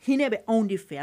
Hinɛ bɛ anw de fɛ yan